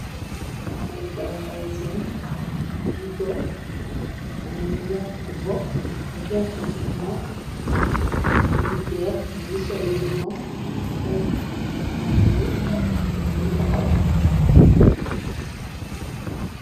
Tay daw ngay seen nu bitoo am nanu jàpku bopp yu jàpp noop militeer mngi soll unifm sol baxana buñu ngi taxaw.